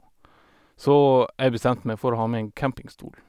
Så jeg bestemte meg for å ha med en campingstol.